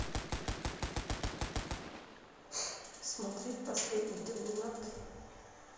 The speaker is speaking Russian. смотреть последний терминатор